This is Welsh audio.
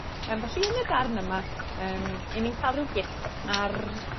Yym felly yn y darn yma yym 'yn ni'n ca'l ryw gip ar